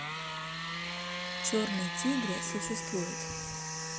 черный tigre существует